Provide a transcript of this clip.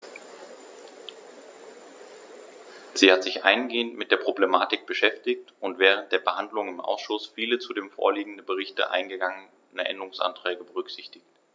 Sie hat sich eingehend mit der Problematik beschäftigt und während der Behandlung im Ausschuss viele zu dem vorliegenden Bericht eingegangene Änderungsanträge berücksichtigt.